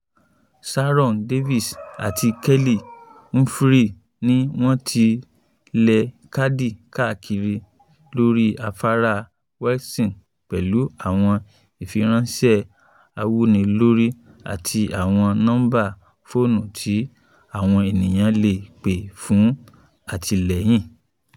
Sharon Davis àti Kelly Humphreys ní wọ́n ti ń lẹ Káàdì káàkiri lórí afárá Welsh pẹ̀lú àwọn ìfiránṣẹ́ awúnilórí àti àwọn nọ́ńbà fóònù tí àwọn ènìyàn le pè fún àtìlẹyìn.